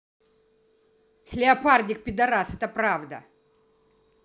леопардик пидарас это правда